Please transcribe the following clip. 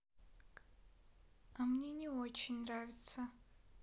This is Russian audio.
а мне не очень нравится